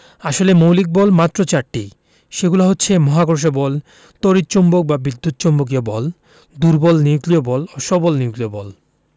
আসলে মৌলিক বল মাত্র চারটি সেগুলো হচ্ছে মহাকর্ষ বল তড়িৎ চৌম্বক বা বিদ্যুৎ চৌম্বকীয় বল দুর্বল নিউক্লিয় বল ও সবল নিউক্লিয় বল